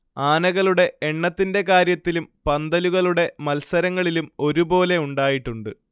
ആനകളുടെ എണ്ണത്തിന്റെ കാര്യത്തിലും പന്തലുകളുടെ മത്സരങ്ങളിലും ഒരു പോലെ ഉണ്ടായിട്ടുണ്ട്